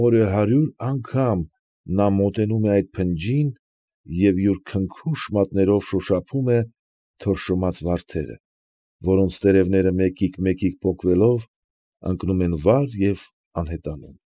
Օրը հարյուր անգամ նա մոտենում է այդ փնջին և յուր քնքուշ մատներով շոշափում է թորշոմած վարդերը, որոնց տերևները մեկիկ֊մեկիկ պոկվելով ընկնում են վար և անհետանում։